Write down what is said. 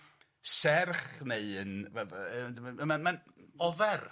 serch neu yn fe- fe- yy on'd yw e'n ma'n ma'n Ofer.